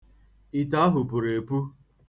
Ite ahụ puru epu.